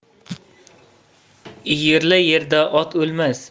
iyirli yerda ot o'lmas